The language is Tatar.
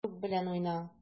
Туп белән уйна.